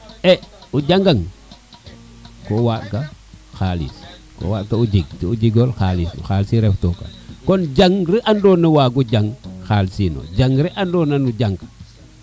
e o janga ko waaɗ ka xalis ko waɗ ka o jeg to o jego le xalis xalis fe ref tokane kon jang andona wagop jang xalis teno jang ne andona no jang